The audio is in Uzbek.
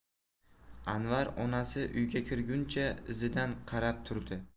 anvar onasi uyga kirguncha izidan qarab turdi